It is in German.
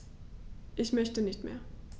Ich möchte nicht mehr.